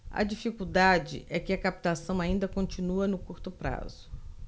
a dificuldade é que a captação ainda continua no curto prazo